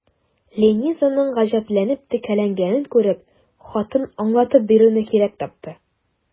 Ленизаның гаҗәпләнеп текәлгәнен күреп, хатын аңлатып бирүне кирәк тапты.